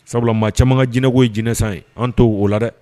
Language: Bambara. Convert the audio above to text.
Sabula maa caman ka jinɛko ye jinɛsan ye an t'o o la dɛ